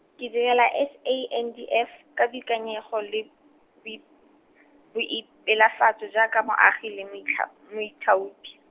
ke direla S A N D F ka boikanyego le, bi-, boipelafatso jaaka moagi le moitlha-, moithaopi.